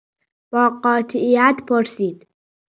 با قاطعیت پرسید